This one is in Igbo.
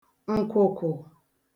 ǹkwụ̀kwụ̀